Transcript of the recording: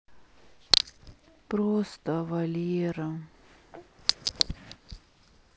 просто валера